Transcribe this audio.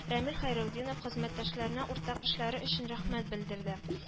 Рамил Хәйретдинов хезмәттәшләренә уртак эшләре өчен рәхмәт белдерде